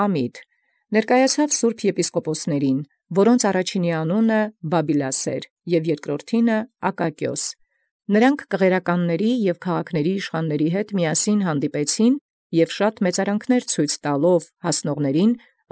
Ընդդէմ լինէր սուրբ եպիսկոպոսացն, որոց առաջնոյն Բաբիլաս անուն և երկրորդին Ակակիոս. հանդերձ կղերականաւքն և իշխանաւքն քաղաքաց պատահեալ, և բազում մեծարանս ցուցեալ հասելոցն՝